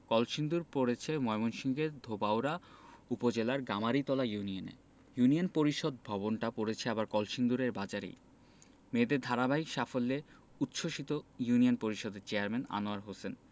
কলসিন্দুর পড়েছে ময়মনসিংহের ধোবাউড়া উপজেলার গামারিতলা ইউনিয়নে ইউনিয়ন পরিষদ ভবনটা পড়েছে আবার কলসিন্দুর বাজারেই মেয়েদের ধারাবাহিক সাফল্যে উচ্ছ্বসিত ইউনিয়ন পরিষদের চেয়ারম্যান আনোয়ার হোসেন